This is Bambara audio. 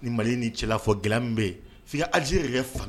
Ni Mali ni cɛla fɔ gɛlɛya min bɛ yen f'i ka Algérie yɛrɛ de